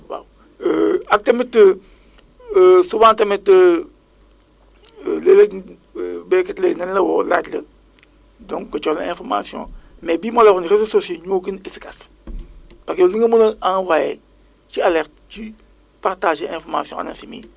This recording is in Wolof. waaw ak tamit souvent tamit léeg-léeg béykat léegi nañ la woo laaj la donc nga jox leen information mais bii ma la wax nii réseaux sociaux yi ñoo gën a efficace parce que yow li nga mën a envoyer ci alerte ci partager information ANACIM yi